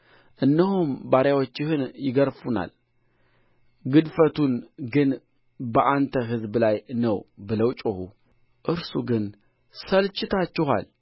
እነሆም ባሪያዎችህን ይገርፉናል ግድፈቱ ግን በአንተ ሕዝብ ላይ ነው ብለው ጮኹ እርሱ ግን ሰልችታችኋል